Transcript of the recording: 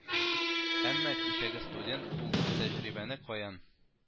Әмма кичәге студент ул тә рибәне каян